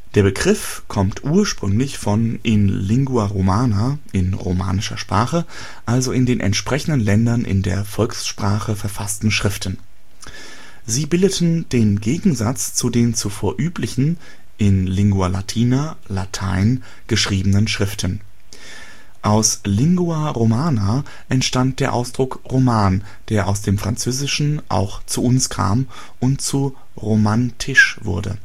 Begriff kommt ursprünglich von „ in lingua romana “, in romanischer Sprache, also in den entsprechenden Ländern in der Volkssprache verfassten Schriften. Sie bildeten den Gegensatz zu den zuvor üblichen, " in lingua latina “(Latein) geschriebenen Schriften. Aus „ lingua romana “entstand der Ausdruck „ Roman “, der aus dem Französischen auch zu uns kam und zu romantisch wurde